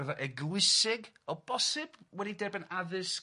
gyrfa eglwysig o bosib wedi derbyn addysg